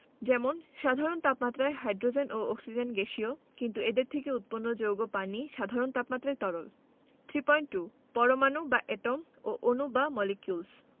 যেমন সাধারণ তাপমাত্রায় হাইড্রোজেন ও অক্সিজেন গ্যাসীয় কিন্তু এদের থেকে উৎপন্ন যৌগ পানি সাধারণ তাপমাত্রায় তরল 3.2 পরমাণু ও অণু Atoms and Molecules